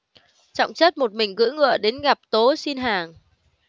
trọng chất một mình cưỡi ngựa đến gặp tố xin hàng